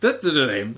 Dydyn nhw ddim!